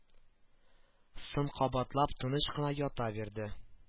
Сын кабатлап тыныч кына ята бирде